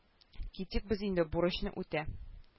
Китик без инде бурычны үтә